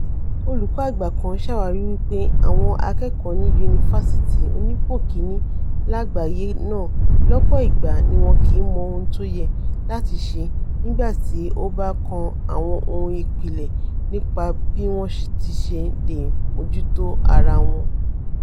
Olùkọ́-àgbà kan ṣàwárí wí pé àwọn akẹ́kọ̀ọ́ ní yunifasiti onípò ìkínní láàgbáyé náà lọ́pọ̀ ìgbà níwọn kìí mọ ohun tóyẹ láti ṣe nígbà tí ó bá kan àwọn ohun ìpìlẹ̀ nípa bí wọn tiṣe leè mójútó ara wọn.